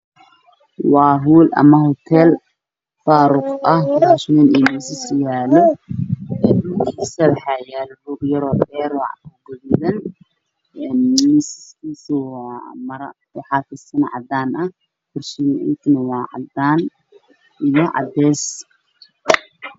Meeshani waa hool ama hoteel faaruq ah aad ayuu u qurux badan yahay